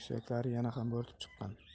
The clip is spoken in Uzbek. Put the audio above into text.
suyaklari yana ham bo'rtib chiqqan